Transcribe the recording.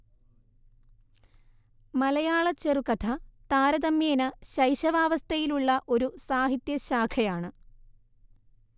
മലയാള ചെറുകഥ താരതമ്യേന ശൈശവാവസ്ഥയിലുള്ള ഒരു സാഹിത്യ ശാഖയാണ്